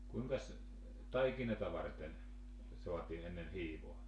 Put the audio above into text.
kuinkas taikinaa varten saatiin ennen hiivaa